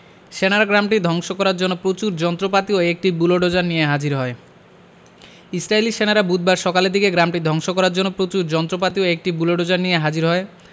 সেনারা গ্রামটি ধ্বংস করার জন্য প্রচুর যন্ত্রপাতি ও একটি বুলোডোজার নিয়ে হাজির হয় ইসরাইলী সেনারা বুধবার সকালের দিকে গ্রামটি ধ্বংস করার জন্য প্রচুর যন্ত্রপাতি ও একটি বুলোডোজার নিয়ে হাজির হয়